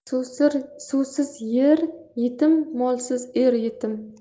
suvsiz yer yetim molsiz er yetim